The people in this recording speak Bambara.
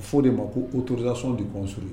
Fo de ma ko autorisation de construire